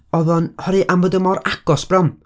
Oedd o'n, oherwydd am bod o mor agos, bron.